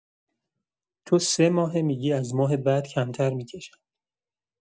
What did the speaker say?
تو سه‌ماهه می‌گی از ماه بعد کمتر می‌کشم.